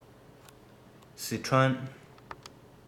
སི ཁྲོན